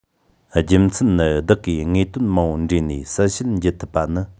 རྒྱུ མཚན ནི བདག གིས དངོས དོན མང པོ འདྲེན ནས གསལ བཤད བགྱི ཐུབ པ ནི